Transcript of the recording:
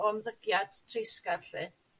o ymddygiad treisgar lly.